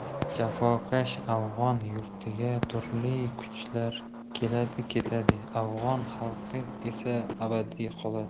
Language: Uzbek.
jafokash afg'on yurtiga turli kuchlar keladi ketadi afg'on xalqi esa abadiy qoladi